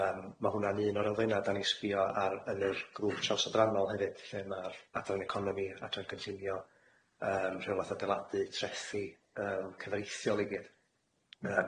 Yym ma' hwnna'n un o'r elfenna 'dan ni sbio ar yn yr grŵp trawsadrannol hefyd lle ma'r adran economi adran cynllunio yym rheolaeth adeiladu trethi yym cyfreithiol i gyd,